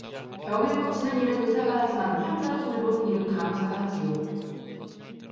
병을 고치는 일은 의사가 하지만 환자를 돌보는 일은 간호사가 하지요